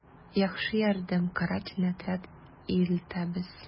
«яхшы ярдәм, карательный отряд илтәбез...»